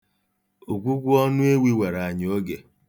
Ogwugwu ọnụ ewi were anyị oge.